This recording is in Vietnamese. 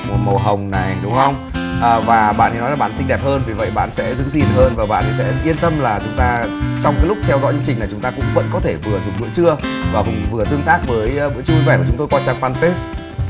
một màu hồng này đúng hông và bạn ý nói là bạn xinh đẹp hơn vì vậy bạn ấy sẽ giữ gìn hơn và bạn ý sẽ yên tâm là chúng ta trong cái lúc theo dõi chương trình là chúng ta vẫn có thể vừa dùng bữa trưa và cùng vừa tương tác với bữa trưa vui vẻ của chúng tôi qua trang phan pết